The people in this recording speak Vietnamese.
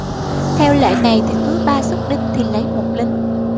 theo lệ này thì cứ ba suất đinh thì lấy một lính